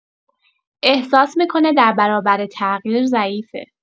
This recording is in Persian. احساس می‌کنه در برابر تغییر ضعیفه.